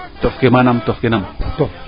tof ke manaam tof kenan